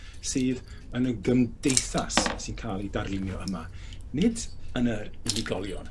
sydd yn y gymdeithas sy'n ca'l 'i darlunio yma. Nid yn yr unigolion,